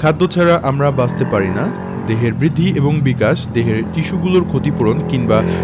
খাদ্য ছাড়া আমরা বাঁচতে পারি না দেহের বৃদ্ধি এবং বিকাশ দেহের টিস্যুগুলোর ক্ষতি পূরণ কিংবা